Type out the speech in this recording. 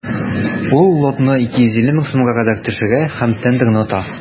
Ул лотны 250 мең сумга кадәр төшерә һәм тендерны ота.